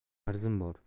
arzim bor